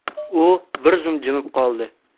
u bir zum jimib qoldi